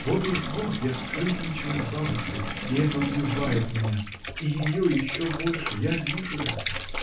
Вот уж год я скрытничаю с бабушкой — и это убивает меня, и ее еще больше: я вижу это.